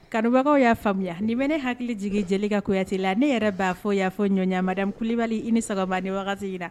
Kanbagaw y'a faamuya nin bɛ ne hakili jigin jeli ka la ne yɛrɛ b'a fɔ y'a fɔ ɲɔndiyamaden kuli kulubali i nisa ni wagati in la